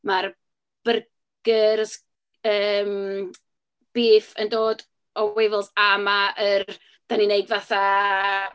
Mae'r byrgys yym beef yn dod o Wavells a ma' yr... Dan ni'n 'neud fatha